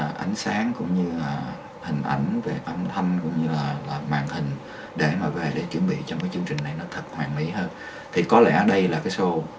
ánh sáng cũng như hình ảnh về âm thanh cúng như là màn hình để mà về đây mà chuẩn bị cho chương trình này nó thật hoàn mỹ hơn thì có lẽ đây là cái sô